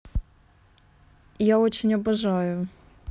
я очень обожаю